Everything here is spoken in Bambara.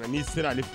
Nga ni sera ale